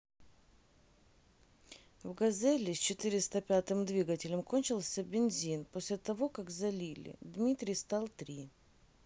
в газели с четыреста пятого двигателем кончился бензин после того как залили дмитрий стал три